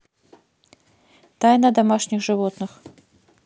тайна домашних животных